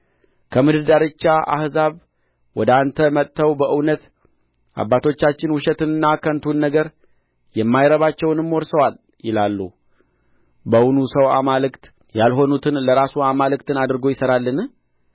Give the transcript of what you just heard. ከምድር ዳርቻ አሕዛብ ወደ አንተ መጥተው በእውነት አባቶቻችን ውሸትንና ከንቱን ነገር የማይረባቸውንም ወርሰዋል ይላሉ በውኑ ሰው አማልክት ያልሆኑትን ለራሱ አማልክትን አድርጎ ይሠራልን